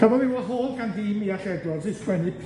Cafodd ei wahodd gan dîm Edwards i sgwennu